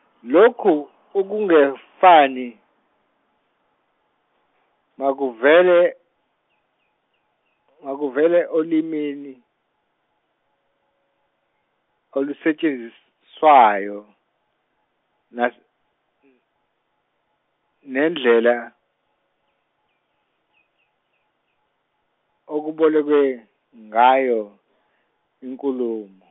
lokhu ukungefani, makuvele , makuvele olimini olusetshenzis- swayo, nas- nendlela, okubolekwe ngayo inkulumo.